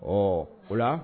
Ɔ o la